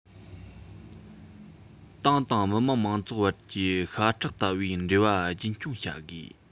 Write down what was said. ཏང དང མི དམངས མང ཚོགས བར གྱི ཤ ཁྲག ལྟ བུའི འབྲེལ བ རྒྱུན འཁྱོངས བྱ དགོས